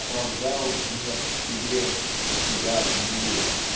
оправдал мир в себе и себя в мире.